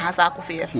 Na xa saku fi'el?